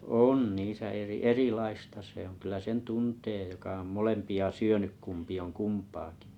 on niissä - erilaista se on kyllä sen tuntee joka on molempia syönyt kumpi on kumpaakin